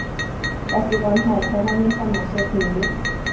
กสิกรไทย เพราะมันมีความน่าเชื่อถือ